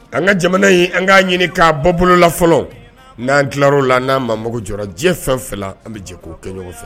An ka jamana in , an ka ɲni k'a bɔ bolo la fɔlɔ, n'an tila la o la, n'an maamago jɔ la diɲɛ fɛn o fɛn na, an bɛ jɛ k'o kɛ ɲɔgɔn fɛ